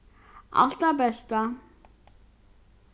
alt tað besta